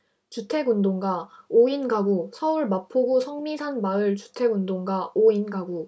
주택운동가 오 인가구서울 마포구 성미산 마을 주택운동가 오 인가구